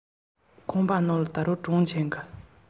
དགུན ཁའི ཉི མ ཤར ཟིན ན འང